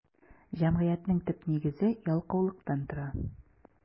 Җәмгыятьнең төп нигезе ялкаулыктан тора.